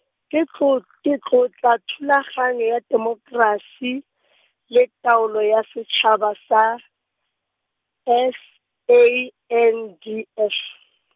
ke tlo- tlotla thulaganyo ya temokerasi , le taolo ya setshaba sa, S A N D F .